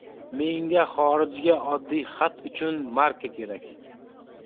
menga xorijga oddiy xat uchun marka kerak